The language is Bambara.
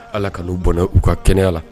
Ala ka n'u bɔnɛ u ka kɛnɛya la